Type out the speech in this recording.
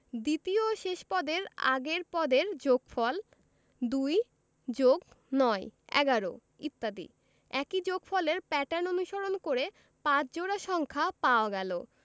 দ্বিতীয় ও শেষ পদের আগের পদের যোগফল ২+৯=১১ ইত্যাদি একই যোগফলের প্যাটার্ন অনুসরণ করে ৫ জোড়া সংখ্যা পাওয়া গেল